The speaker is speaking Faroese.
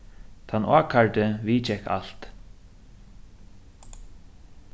tann ákærdi viðgekk alt